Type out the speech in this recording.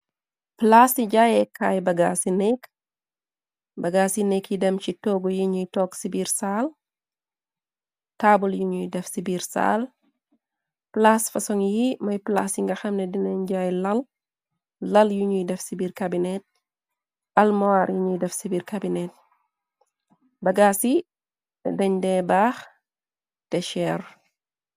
Plaas ti jaaye kaay bagaas ci nekk bagaas yi nekk yi dem ci toogu yi ñuy toog ci biir saal taabal yuñuy def ci biir saal plaas fasoŋ yi mooy plaas yi nga xamna dinañ jaay lal lal yuñuy def ci biir kabinet almoir yuñuy def ci biir kabinet bagaas ci dañ dee baax te cher.